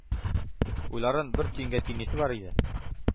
Уйларын бер төенгә төйнисе бар иде.